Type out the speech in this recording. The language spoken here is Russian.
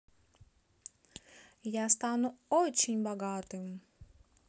я стану очень богатым